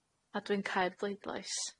A dwi'n cau'r bleidlais.